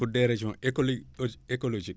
pour des raisons écolo écologiques